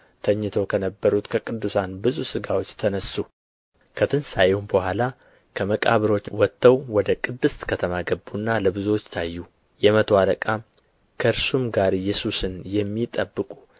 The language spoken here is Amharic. ተኝተው ከነበሩትም ከቅዱሳን ብዙ ሥጋዎች ተነሡ ከትንሣኤውም በኋላ ከመቃብሮች ወጥተው ወደ ቅድስት ከተማ ገቡና ለብዙዎች ታዩ የመቶ አለቃም ከእርሱም ጋር ኢየሱስን የሚጠብቁ